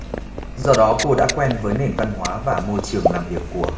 do đó cô đã quen với nền văn hóa và môi trường làm việc của